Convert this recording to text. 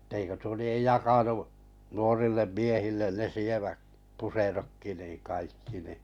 että eikö tuo lie jakanut nuorille miehille ne sievät puserotkin niin kaikki niin